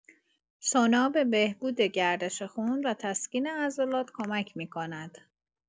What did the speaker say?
سونا به بهبود گردش خون و تسکین عضلات کمک می‌کند.